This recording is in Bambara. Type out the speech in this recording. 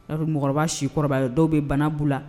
Dɔwo bɛ mɔgɔkɔrɔba si kɔrɔbaya ye dɔw bɛ banabu la